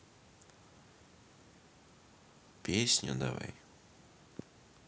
песню давай